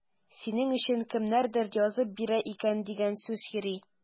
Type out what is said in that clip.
Синең өчен кемнәрдер язып бирә икән дигән сүз йөри.